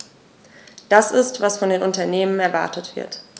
Das ist, was von den Unternehmen erwartet wird.